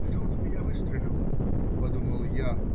"Это он в меня выстрелил", - подумал я.